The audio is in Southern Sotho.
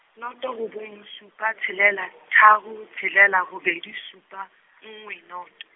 noto robong supa tshelela, tharo tshelela robedi supa, nngwe noto.